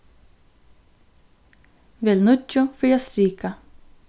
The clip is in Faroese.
vel níggju fyri at strika